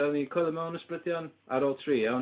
Dan ni'n coelio mewn ysbrydion ar ôl {tri|3), iawn?